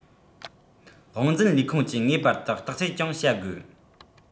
དབང འཛིན ལས ཁུངས ཀྱིས ངེས པར དུ བརྟག དཔྱད ཀྱང བྱ དགོས